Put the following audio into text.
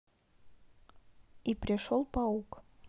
и пришел паук